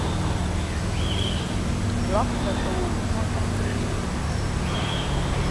ล็อคประตูห้องนั่งเล่น